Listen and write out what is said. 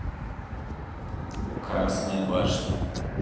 красные башни